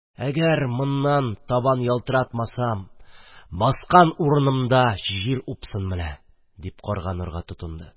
– әгәр моннан табан ялтыратмасам, баскан урынымда җир упсын менә! – дип карганырга тотынды.